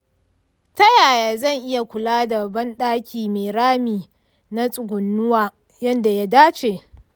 ta yaya zan iya kula da bandaki mai rami na tsugunawa yadda ya dace?